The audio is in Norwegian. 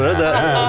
ja ja.